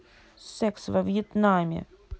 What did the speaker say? секс во вьетнаме